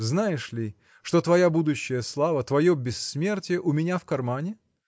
знаешь ли, что твоя будущая слава, твое бессмертие у меня в кармане?